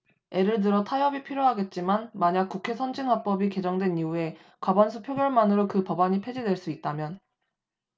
예를 들어 타협이 필요하겠지만 만약 국회선진화법이 개정된 이후에 과반수 표결만으로 그 법안이 폐지될 수 있다면